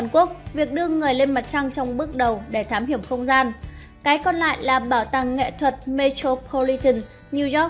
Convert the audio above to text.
việc đưa người lên mặt trăng trong bước đầu để thám hiểm không gian cái còn lại là bảo tàng nghệ thuật metropolitan new york